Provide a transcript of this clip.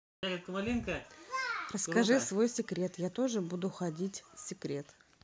расскажи свой секрет я тоже буду ходить секрет